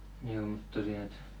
juu mutta tosiaan että